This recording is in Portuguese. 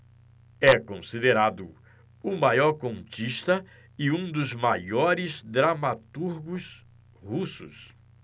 é considerado o maior contista e um dos maiores dramaturgos russos